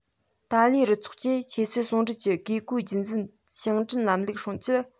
ཏཱ ལའི རུ ཚོགས ཀྱིས ཆོས སྲིད ཟུང འབྲེལ གྱི བཀས བཀོད རྒྱུད འཛིན ཞིང བྲན ལམ ལུགས སྲུང ཆེད